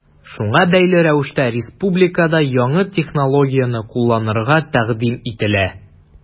Шуңа бәйле рәвештә республикада яңа технологияне кулланырга тәкъдим ителә.